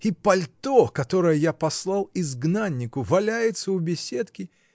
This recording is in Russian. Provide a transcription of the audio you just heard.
И пальто, которое я послал “изгнаннику”, валяется у беседки!